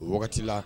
Wagati la